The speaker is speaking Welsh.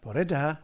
Bore da.